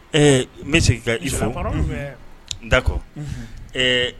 Ee n bɛ segin ka ifu n dakɔ ɛɛ